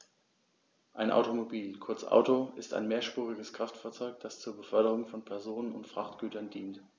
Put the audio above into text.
Ein Automobil, kurz Auto, ist ein mehrspuriges Kraftfahrzeug, das zur Beförderung von Personen und Frachtgütern dient.